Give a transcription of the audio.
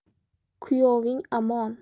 kuyoving amon